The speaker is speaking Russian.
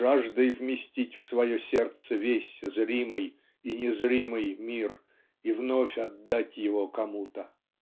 жаждой вместить в свое сердце весь зримый и незримый мир и вновь отдать его кому-то".